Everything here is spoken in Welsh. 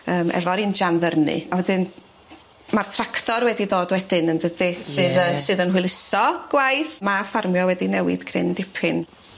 yym efo'r injan ddyrnu a wedyn ma'r tractor wedi dod wedyn yndydi? Ie. Sydd yy sydd yn hwyluso gwaith ma' ffarmio wedi newid cryn dipyn.